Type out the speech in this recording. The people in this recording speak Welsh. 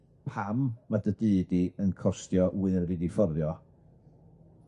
pam ma' dy dŷ di yn costio mwya yn y byd i fforddio?